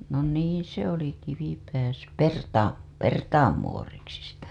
no niin se oli Kivipää - Pertaa Pertaan muoriksi sitä